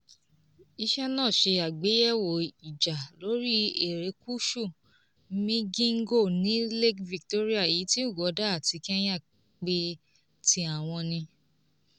Iṣẹ́ náà ṣe àgbéyẹ̀wò ìjà lórí erékùṣù Migingo ní Lake Victoria, èyí tí Uganda àti Kenya pé ti àwọn ni.